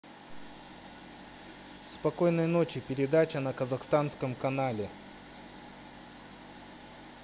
спокойной ночи передача на казахстанском канале